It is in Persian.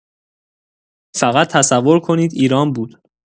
فقط تصور کنید ایران بود!